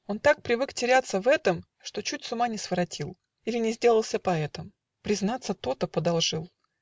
Он так привык теряться в этом, Что чуть с ума не своротил Или не сделался поэтом. Признаться: то-то б одолжил!